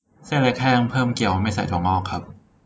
เส้นเล็กแห้งเพิ่มเกี๊ยวไม่ใส่ถั่วงอกครับ